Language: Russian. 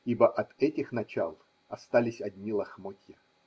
Ибо от этих начал остались одни лохмотья.